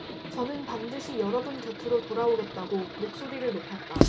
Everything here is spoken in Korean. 저는 반드시 여러분 곁으로 돌아오겠다고 목소리를 높였다